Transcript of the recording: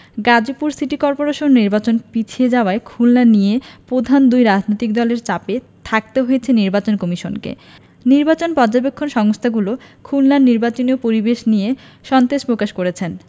Gazipur city corporation নির্বাচন পিছিয়ে যাওয়ায় খুলনা নিয়ে প্রধান দুই রাজনৈতিক দলের চাপে থাকতে হয়েছে নির্বাচন কমিশনকে নির্বাচন পর্যবেক্ষক সংস্থাগুলো খুলনার নির্বাচনী পরিবেশ নিয়ে সন্তোষ প্রকাশ করেছে